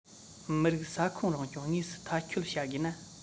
མི རིགས ས ཁོངས རང སྐྱོང དངོས སུ མཐའ འཁྱོལ བྱ དགོས ན